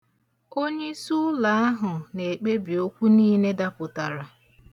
Onyeisi ụlọ ahụ na-ekpebi okwu niile dapụtara.